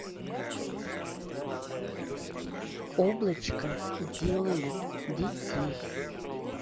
облачка делают детей